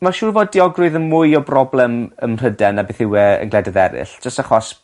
Ma'n siŵr fod diogrwydd yn mwy o broblem ym Mhryden na beth yw e yn gwledydd eryll jyst achos